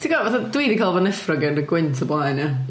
Tibod fatha dwi 'di cael fy neffro gan y gwynt o'r blaen ia.